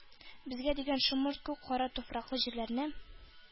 Безгә дигән шомырт күк кара туфраклы җирләрне,